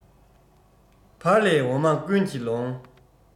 བ ལས འོ མ ཀུན གྱིས ལོང